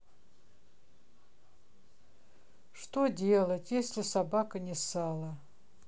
что делать если собака не ссала